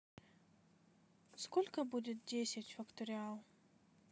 сколько будет десять факториал